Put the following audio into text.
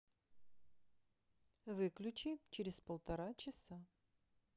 выключи через полтора часа